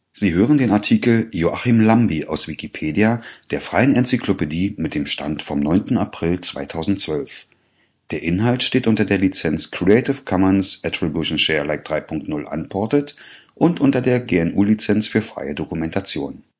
Sie hören den Artikel Joachim Llambi, aus Wikipedia, der freien Enzyklopädie. Mit dem Stand vom Der Inhalt steht unter der Lizenz Creative Commons Attribution Share Alike 3 Punkt 0 Unported und unter der GNU Lizenz für freie Dokumentation